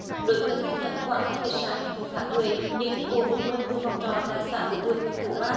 đối tượng khai nhận khoảng hai giờ sáng ngày một tháng mười nhật đi một mình từ phòng trọ tại xã phú thượng huyện phú vang